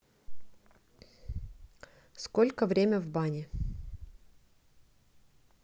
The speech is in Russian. сколько время в бане